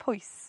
pwys.